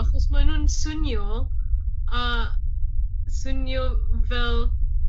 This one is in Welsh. ...achos mae nw'n swnio a swnio fel